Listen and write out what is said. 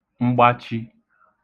mgbachi